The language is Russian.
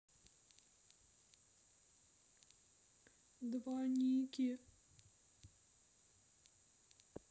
два ники